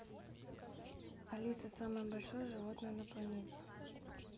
алиса самое большое животное на планете